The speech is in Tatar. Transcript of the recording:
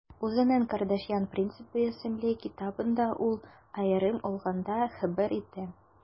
Үзенең «Кардашьян принципы» исемле китабында ул, аерым алганда, хәбәр итә: